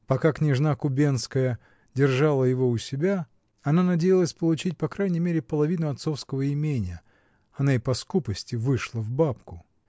пока княжна Кубенская держала его у себя, она надеялась получить по крайней мере половину отцовского имения: она и по скупости вышла в бабку.